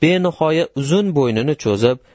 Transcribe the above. u benihoya uzun bo'ynini cho'zib